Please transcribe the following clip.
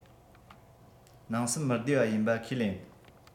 ནང སེམས མི བདེ བ ཡིན པ ཁས ལེན